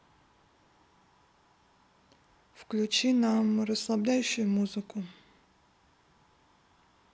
включи нам расслабляющую музыку